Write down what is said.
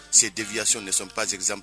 Ces déviations ne sont pas exemp